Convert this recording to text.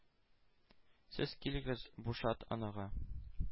Сез килегез бу шат анага,